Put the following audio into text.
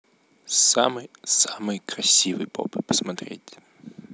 самый красивый поп и посмотреть